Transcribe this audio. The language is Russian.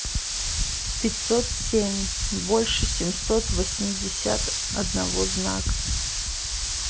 пятьсот семь больше семьсот восемьдесят одного знак